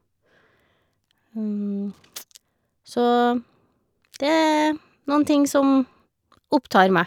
Så det er noen ting som opptar meg.